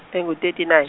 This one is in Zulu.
engu- thirty nine.